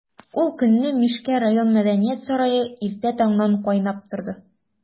Ул көнне Мишкә район мәдәният сарае иртә таңнан кайнап торды.